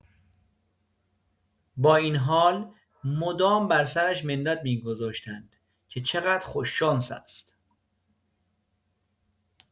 با این حال مدام بر سرش منت می‌گذاشتند که چقدر خوش‌شانس است.